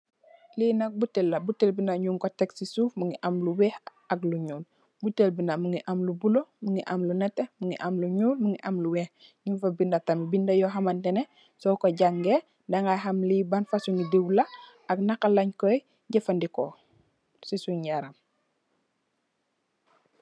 Li nak botel la, botel bu ndaw ñung ko tekk ci suuf mungi am lu weeh ak lu ñuul. botel bi nak mungi am lu bulo, mungi am lu netè, mungi am lu ñuul, mungi am lu weeh ñung fa bindi tamit binda yo hamne tenè so ko jangee daga hamne bant fasung dew la ak naka leen ko jafadeko ci suun yaram.